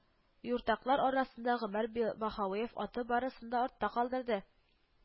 Юртаклар арасында Гомәр билБаһавиев аты барысын да артта калдырды